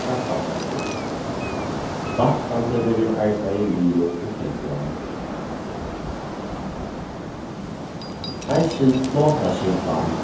krabbagoggur væntandi verður arbeiði liðugt í februar einskild flotaskipan